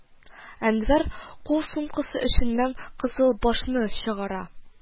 Әнвәр кул сумкасы эченнән «кызыл баш»-ны чыгара